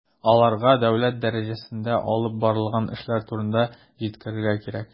Аларга дәүләт дәрәҗәсендә алып барылган эшләр турында җиткерергә кирәк.